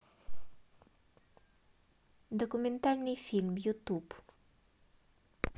документальный фильм ютуб